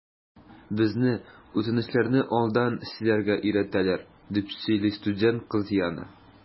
Безне үтенечләрне алдан сизәргә өйрәтәләр, - дип сөйли студент кыз Яна.